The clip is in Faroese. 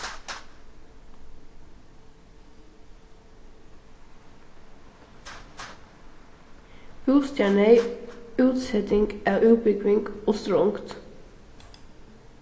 bústaðarneyð útseting av útbúgving og strongd